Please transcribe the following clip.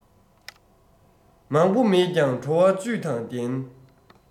མང པོ མེད ཀྱང བྲོ བ བཅུད དང ལྡན